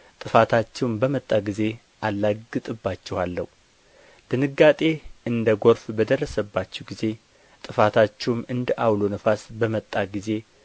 ጥፋታችሁም በመጣ ጊዜ አላግጥባችሁ ድንጋጤ እንደ ጐርፍ በደረሰባችሁ ጊዜ ጥፋታችሁም እንደ ዐውሎ ነፋስ በመጣ ጊዜ